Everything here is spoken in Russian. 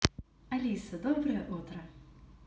алиса доброе утро